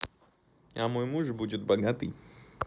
а мой муж будет богатый